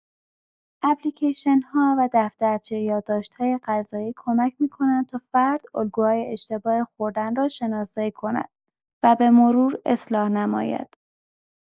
اپلیکیشن‌ها و دفترچه یادداشت‌های غذایی کمک می‌کنند تا فرد الگوهای اشتباه خوردن را شناسایی کند و به‌مرور اصلاح نماید.